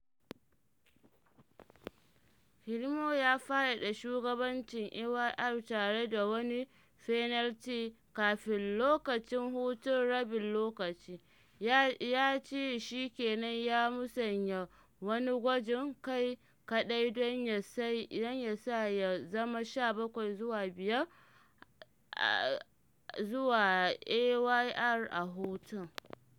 Climo ya faɗaɗa shugabancin Ayr tare da wani fenalti, kafin, lokacin hutun rabin lokaci, ya ci shi ke nan ya musanya wani gwajin kai kaɗai don ya sa ya zama 17 zuwa 5 zuwa Ayr a hutun.